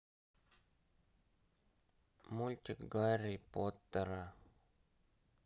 мультик гарри поттера